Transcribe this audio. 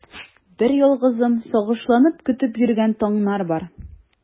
Берьялгызым сагышланып көтеп йөргән таңнар бар.